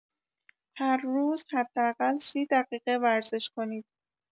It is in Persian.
هر روز حداقل ۳۰ دقیقه ورزش کنید.